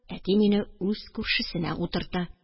Әти мине үз күршесенә утырта